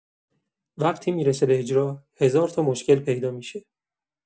وقتی می‌رسه به اجرا، هزار تا مشکل پیدا می‌شه.